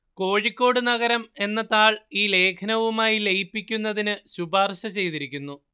കോഴിക്കോട് നഗരം എന്ന താൾ ഈ ലേഖനവുമായി ലയിപ്പിക്കുന്നതിന് ശുപാർശ ചെയ്തിരിക്കുന്നു